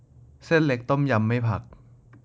เส้นเล็กต้มยำไม่ผัก